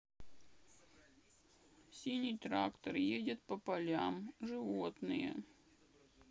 синий трактор едет по полям животные